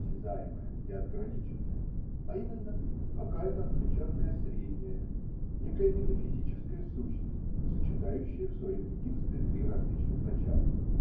осязаемая и отграниченная, а именно какая-то отвлеченная средняя, некая метафизическая сущность, сочетающая в своем единстве три различных начала.